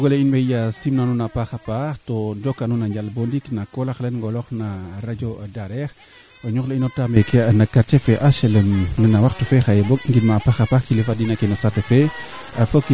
d' accord xaye de leya in i mbaxtaanit no ke xot tuuna no walu choix de la parcelle manaama a cila le ando naye nuun xoxox we nu mbarano mbaago njil laŋ ke ando naye boog a qola xe ando naye ten nu mbaru mbaago ngoox no ndiing ne